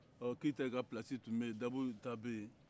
ɔ keyitaw ka place tun bɛ yen dabow ta bɛ yen